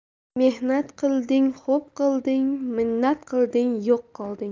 mehnat qilding xo'p qilding minnat qilding yo'q qilding